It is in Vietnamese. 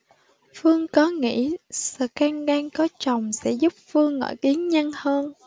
phương có nghĩ scandal có chồng sẽ giúp phương nổi tiếng nhanh hơn